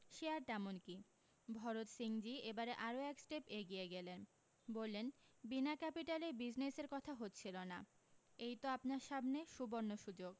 সে আর তেমন কী ভরত সিংজী এবারে আরও এক স্টেপ এগিয়ে গেলেন বললেন বিনা ক্যাপিটালে বিজনেসের কথা হচ্ছিল না এই তো আপনার সামনে সুবরণ সু্যোগ